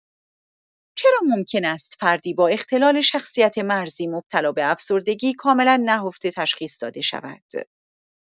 چرا ممکن است فردی با اختلال شخصیت مرزی مبتلا به افسردگی کاملا نهفته تشخیص داده شود؟